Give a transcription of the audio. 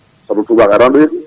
soble tubak arani ɗo hikka